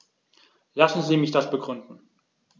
Lassen Sie mich das begründen.